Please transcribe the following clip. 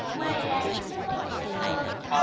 cũng may đây cảm ơn chị hương